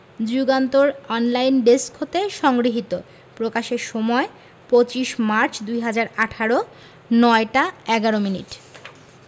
Jugantor online desk হতে সংগৃহীত প্রকাশের সময় ২৫ মার্চ ২০১৮ ০৯ টা ১১ মিনিট